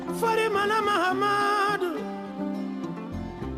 Foli ma ma dun